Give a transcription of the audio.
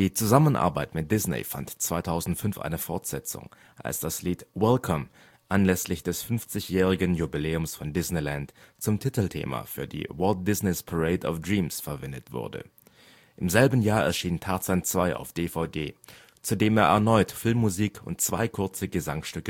Zusammenarbeit mit Disney fand 2005 eine Fortsetzung, als das Lied Welcome anlässlich des fünfzigjährigen Jubiläums von Disneyland zum Titelthema für die Walt Disney 's Parade of Dreams verwendet wurde. Im selben Jahr erschien Tarzan 2 auf DVD, zu dem er erneut Filmmusik und zwei kurze Gesangsstücke